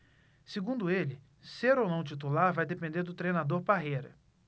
segundo ele ser ou não titular vai depender do treinador parreira